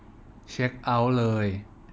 เช็คเอ้าท์เลย